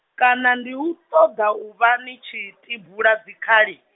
kana ndi u ṱoḓa u vha ni tshi, tibula dzikhali?